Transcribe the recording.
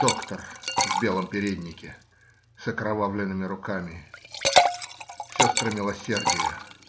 Доктор в белом переднике, с окровавленными руками. Сестры милосердия.